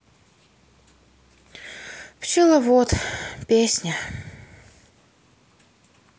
пчеловод песня